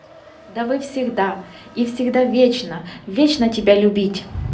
да вы всегда и всегда вечно вечно тебя любить